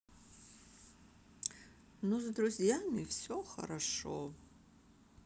но с друзьями все хорошо